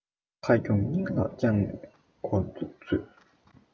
ཁེ གྱོང སྙིང ལ བཅངས ནས འགྲོ ལུགས མཛོད